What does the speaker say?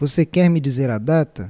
você quer me dizer a data